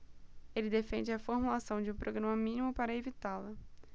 ele defende a formulação de um programa mínimo para evitá-la